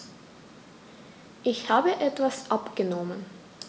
Ich habe etwas abgenommen.